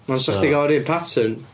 Meddwl 'sech chdi'n cael yr un pattern.